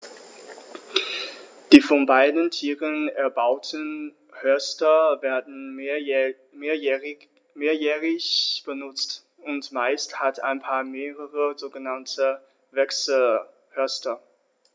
Die von beiden Tieren erbauten Horste werden mehrjährig benutzt, und meist hat ein Paar mehrere sogenannte Wechselhorste.